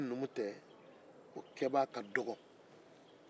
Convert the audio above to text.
ni numu tɛ o kɛbaa ka dogɔ